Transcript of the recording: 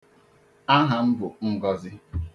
Aha m bụ Ngọzị